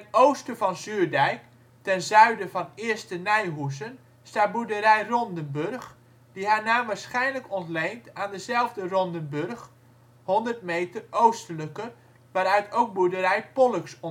oosten van Zuurdijk, ten zuiden van 1e Nijhoezen staat boerderij Rondenburg (Hoofdweg 26a), die haar naam waarschijnlijk ontleent aan dezelfde Rondenbörg (100 meter oostelijker) waaruit ook boerderij Pollux